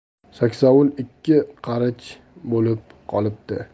saksovul ikki qarich bo'lib qolibdi